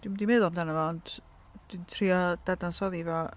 Dwi'm 'di meddwl amdano fo ond dwi'n trio dadansoddi fo.